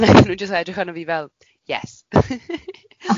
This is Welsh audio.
A wnaethon nhw jyst edrych arno fi fel, yes.